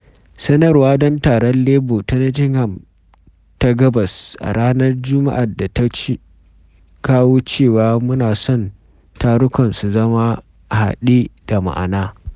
Sanarwa don taron Labour ta Nottingham ta Gabas a ranar Juma’a ta kawo cewa, “muna son tarukan su zama a haɗe da ma’ana.”